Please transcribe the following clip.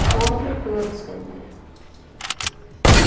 hon er høvuðsvenjari